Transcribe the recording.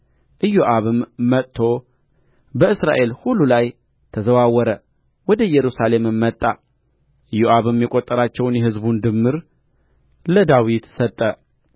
ኢዮአብም ወጥቶ በእስራኤል ሁሉ ላይ ተዘዋወረ ወደ ኢየሩሳሌምም መጣ ኢዮአብም የቈጠራቸውን የሕዝቡን ድምር ለዳዊት ሰጠ